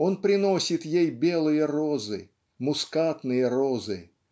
он приносит ей белые розы мускатные розы